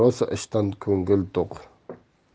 rosa ishdan ko'ngil to'q